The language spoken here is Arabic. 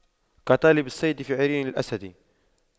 كطالب الصيد في عرين الأسد